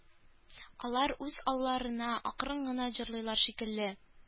Алар үз алларына акрын гына җырлыйлар шикелле